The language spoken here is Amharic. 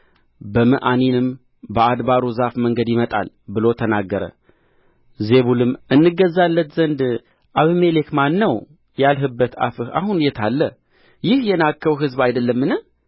በምዖንኒም በአድባሩ ዛፍ መንገድ ይመጣል ብሎ ተናገረ ዜቡልም እንገዛለት ዘንድ አቤሜሌክ ማን ነው ያልህበት አፍህ አሁን የት አለ ይህ የናቅኸው ሕዝብ አይደለምን